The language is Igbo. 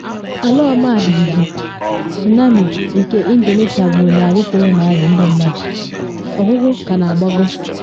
Ala ọmajiji, tsunami, nke Indonesia gburu narị kwụrụ narị ndị mmadụ, ọgụgụ ka na agbago